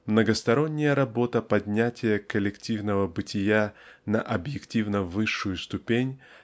многосторонняя работа поднятия коллективного бытия на объективно-высшую ступень